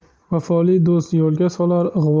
vafoli do'st yo'lga solar